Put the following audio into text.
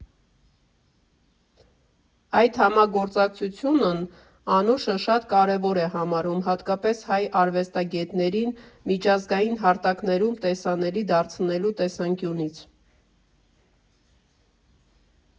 Այդ համագործակցությունն Անուշը շատ կարևոր է համարում հատկապես հայ արվեստագետներին միջազգային հարթակներում տեսանելի դարձնելու տեսանկյունից։